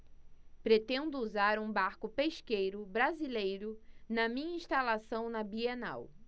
pretendo usar um barco pesqueiro brasileiro na minha instalação na bienal